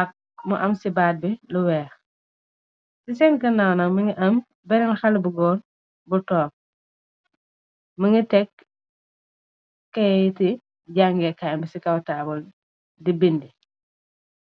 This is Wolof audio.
ak mu am ci baat bi lu weex ci seen gannaaw nak mi ngi am benen xale bu goor bu toog mi ngi tekk keyete jàngeekaay bi ci kaw taabal be di bindi.